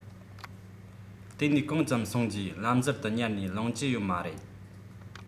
དེ ནས གང ཙམ སོང རྗེས ལམ ཟུར དུ ཉལ ནས ལངས ཀྱི ཡོད མ རེད